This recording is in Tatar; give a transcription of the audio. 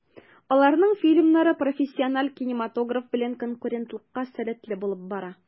Аларның фильмнары профессиональ кинематограф белән конкурентлыкка сәләтле булып бара.